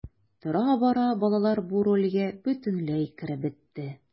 Тора-бара балалар бу рольгә бөтенләй кереп бетте.